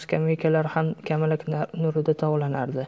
skameykalar ham kamalak nurida tovlanardi